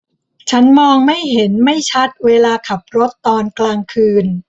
ฉันมองไม่เห็นไม่ชัดเวลาขับรถตอนกลางคืน